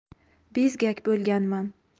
bezgak bo'lganman